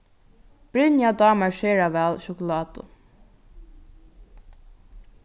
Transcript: brynja dámar sera væl sjokulátu